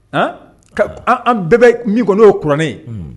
An bɛɛ bɛ min kɔnɔ'o ye kuranɛ ye